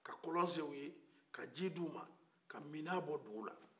ka kɔlɔn sen u ye ka ji d'u ma ka minaa bɔ dugu la